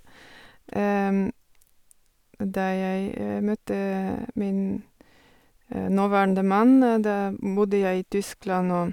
Da jeg møtte min nåværende mann, da bodde jeg i Tyskland, og...